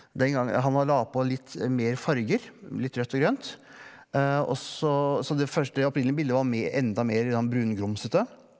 den gang han var la på litt mer farger litt rødt og grønt og så så det første det opprinnelige bildet var enda mer sånn brungrumsete.